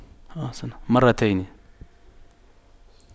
مرتين